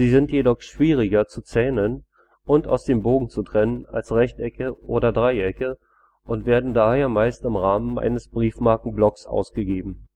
sind jedoch schwieriger zu zähnen und aus dem Bogen zu trennen als Rechtecke oder Dreiecke und werden daher meist im Rahmen eines Briefmarkenblocks ausgegeben